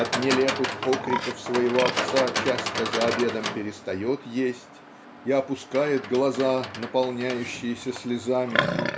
от нелепых окриков своего отца часто за обедом перестает есть и опускает глаза наполняющиеся слезами.